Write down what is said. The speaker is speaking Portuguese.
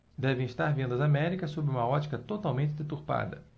devem estar vendo as américas sob uma ótica totalmente deturpada